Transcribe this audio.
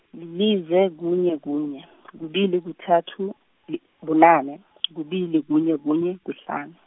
lilize, kunye, kunye , kubili, kuthathu , bunane, kubili, kunye, kunye, kuhlanu.